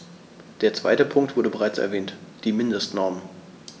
Der zweite Punkt wurde bereits erwähnt: die Mindestnormen.